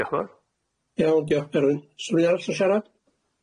Diolch fawr. Iawn diolch Gerwyn. S'rwun arall i siarad?